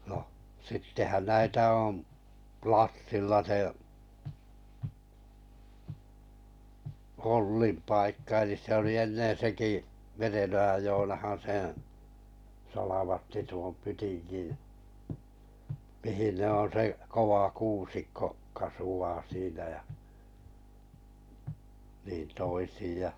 no sittenhän näitä on Plassilla se Ollin paikka eli se oli ennen sekin Merenojan Joonahan sen salvatti tuon pytingin mihin ne on se kova kuusikko kasvaa siinä ja niin toisin ja